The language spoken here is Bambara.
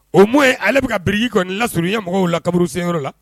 O mɔ ye ale bɛ ka biki kɔni lasurunya mɔgɔw la kaburu senyɔrɔ la